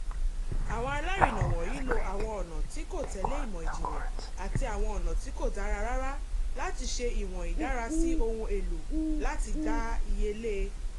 Àwọn alárinnà wọ̀nyìí lo àwọn ọ̀nà tí kò tẹ̀lé ìmọ̀-ìjìnlẹ̀ àti àwọn ọ̀nà tí kò dára rárá láti ṣe ìwọ̀n ìdárasí ohun èlò láti dá iye lé e.